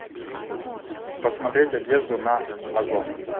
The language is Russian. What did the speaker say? посмотреть одежду на озон